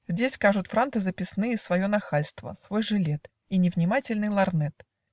Здесь кажут франты записные Свое нахальство, свой жилет И невнимательный лорнет.